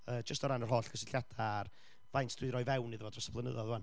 yy jyst o ran yr holl gysylltiadau a'r faint dwi 'di roi fewn iddo fo dros y blynyddoedd ŵan.